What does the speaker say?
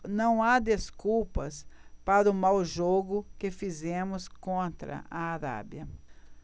não há desculpas para o mau jogo que fizemos contra a arábia